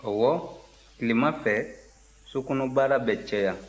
ɔwɔ tilema fɛ sokɔnɔbaara bɛ caya